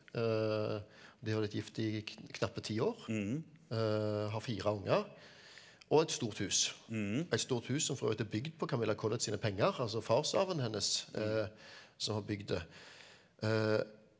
de har vært gift i i knappe ti år, har fire unger, og et stort hus et stort hus som for så vidt er bygd på Camilla Collett sine penger altså farsarven hennes som har bygd det .